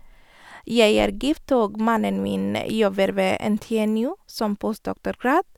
Jeg er gift, og mannen min jobber ved NTNU som postdoktorgrad.